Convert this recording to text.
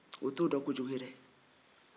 o to dɔn kojugu ye dɛ